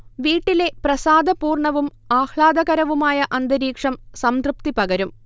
വീട്ടിലെ പ്രസാദപൂർണവും ആഹ്ലാദകരവുമായ അന്തരീക്ഷം സംതൃപ്തി പകരും